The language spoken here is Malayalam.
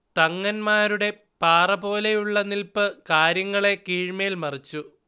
തങ്ങൻമാരുടെ പാറപോലെയുള്ള നിൽപ്പ് കാര്യങ്ങളെ കീഴ്മേൽ മറിച്ചു